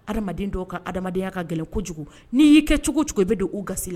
Adamaden dɔw ka adamadenyaya ka gɛlɛnko kojugu n'i y'i kɛ cogo cogo bɛ don' ga la